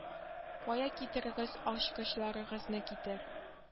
Кая китерегез ачкычларыгызны китер